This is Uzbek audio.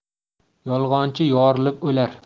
yolg'onchi yorilib o'lar